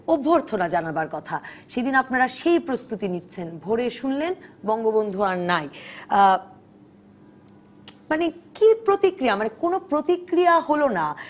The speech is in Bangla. অভ্যর্থনা জানাবার কথা সেদিন আপনারা সেই প্রস্তুতি নিচ্ছেন ভোরে শুনলেন বঙ্গবন্ধু আর নাই মানে কি প্রতিক্রিয়া কোন প্রতিক্রিয়া হলো না